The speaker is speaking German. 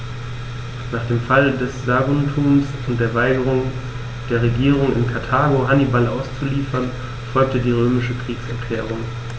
Nach dem Fall Saguntums und der Weigerung der Regierung in Karthago, Hannibal auszuliefern, folgte die römische Kriegserklärung.